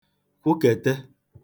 kwụkète